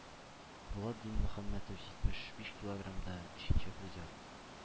Булат Динмөхәммәтов җитмеш биш килограммда– өченче призер.